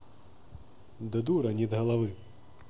да дура нет головы